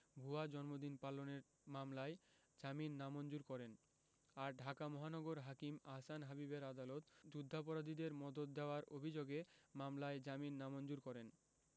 ভুয়া জন্মদিন পালনের মামলায় জামিন নামঞ্জুর করেন আর ঢাকা মহানগর হাকিম আহসান হাবীবের আদালত যুদ্ধাপরাধীদের মদদ দেওয়ার অভিযোগের মামলায় জামিন নামঞ্জুর করেন